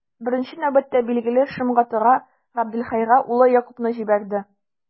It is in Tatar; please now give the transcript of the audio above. Беренче нәүбәттә, билгеле, Шомгатыга, Габделхәйгә улы Якубны җибәрде.